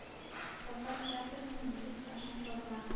Татар театрының нигез ташын салган